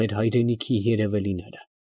Մեր հայրենիքի երևելիները։